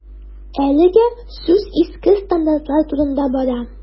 Әлегә сүз иске стандартлар турында бара.